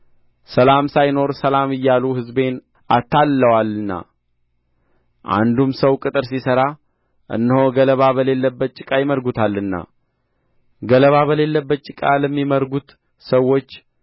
ሰላም ሳይኖር ሰላም እያሉ ሕዝቤን አታልለዋልና አንዱም ሰው ቅጥር ሲሠራ እነሆ ገለባ በሌለበት ጭቃ ይመርጉታልና ገለባ በሌለበት ጭቃ ለሚመርጉት ሰዎች